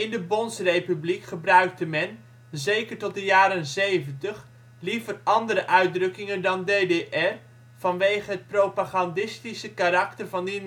de Bondsrepubliek gebruikte men, zeker tot de jaren zeventig, liever andere uitdrukkingen dan DDR, vanwege het propagandistisch karakter van die naam